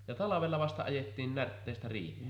ja talvella vasta ajettiin närtteestä riiheen